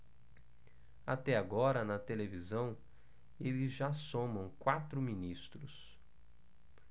até agora na televisão eles já somam quatro ministros